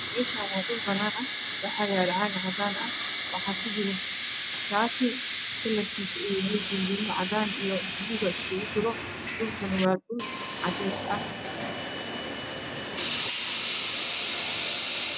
Meeshaan waa dhul banaan ah waxaa yaalo caag cadaan ah waxaa kujira shaati kalarkiisu cadaan iyo buluug iskugu jira dhulkana waa cadeys ah .